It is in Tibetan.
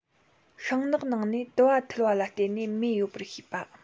ཤིང ནགས ནང ནས དུ བ འཐུལ བ ལ བརྟེན ནས མེ ཡོད པར ཤེས པ